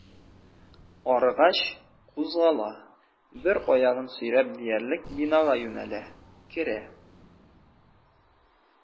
Арыгач, кузгала, бер аягын сөйрәп диярлек бинага юнәлә, керә.